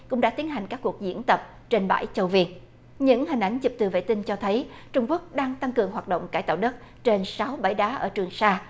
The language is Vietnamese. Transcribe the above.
cũng đã tiến hành các cuộc diễn tập trên bãi châu việt những hình ảnh chụp từ vệ tinh cho thấy trung quốc đang tăng cường hoạt động cải tạo đất trên sáu bãi đá ở trường sa